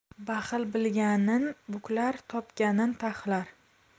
baxil bilganin buklar topganin taxlar